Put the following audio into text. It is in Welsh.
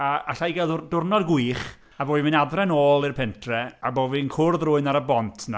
A alla i gael dd- diwrnod gwych, a bo' fi'n mynd adre nôl i'r pentre, a bo' fi'n cwrdd rywun ar y bont 'na.